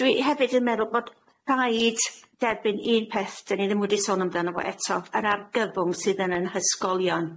Dwi hefyd yn meddwl bod rhaid derbyn un peth 'dyn ni ddim wedi sôn amdano fo eto yr argyfwng sydd yn yn hysgolion.